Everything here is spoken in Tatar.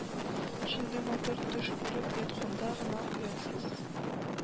Шундый матур төш күреп ятканда гына уятасыз